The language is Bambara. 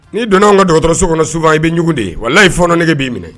Ni donnaanw ka don dɔgɔtɔrɔso kɔnɔ suba i bɛugu ye wa n' ye fɔnɔ nege b'i minɛ